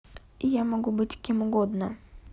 я могу быть кем угодно